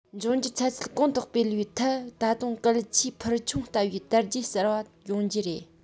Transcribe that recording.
འབྱུང འགྱུར ཚན རྩལ གོང དུ སྤེལ བའི ཐད ད དུང གལ ཆེའི འཕུར མཆོང ལྟ བུའི དར རྒྱས གསར པ ཡོང རྒྱུ རེད